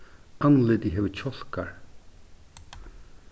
andlitið hevur kjálkar